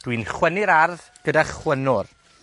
dwi'n chwynnu'r ardd gyda chwynwr.